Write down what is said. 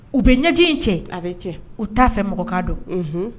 U bɛ ɲɛjI in cɛ, a bɛ cɛ. U t'a fɛ mɔgɔ k'a don, unhun.